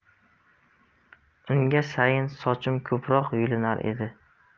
unga sayin sochim ko'proq yulinar edi